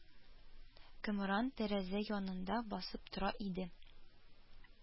Кэмран тәрәзә янында басып тора иде